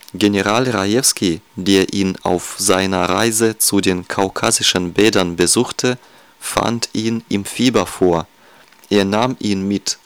General Rajewski, der ihn auf seiner Reise zu den kaukasischen Bädern besuchte, fand ihn im Fieber vor. Er nahm ihn mit